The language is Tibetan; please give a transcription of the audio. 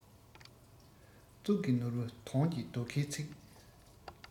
གཙུག གི ནོར བུ དོན གྱི རྡོ ཁའི ཚིག